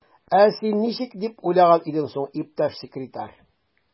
Ә син ничек дип уйлаган идең соң, иптәш секретарь?